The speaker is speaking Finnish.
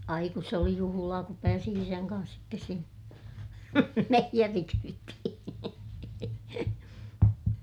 ai kun se oli juhlaa kun pääsi isän kanssa sitten sinne meijerikyytiin